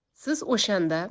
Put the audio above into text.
siz o'shanda